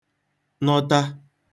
nọta